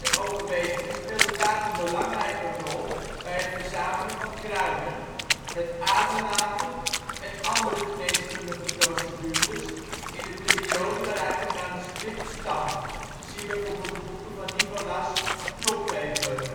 overwegingen speelden vaak een belangrijke rol bij het verzamelen van kruiden, het aderlaten en andere geneeskundige procedures in de periode waaruit het manuscript stamt (zie bijvoorbeeld de boeken van Nicholas Culpeper